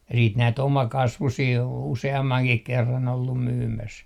ja sitten näitä omakasvuisia olen useammankin kerran ollut myymässä